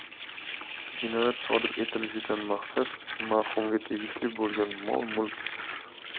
jinoyat sodir etilishidan maqsad marhumga tegishli bo'lgan